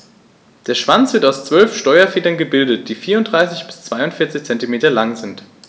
Der Schwanz wird aus 12 Steuerfedern gebildet, die 34 bis 42 cm lang sind.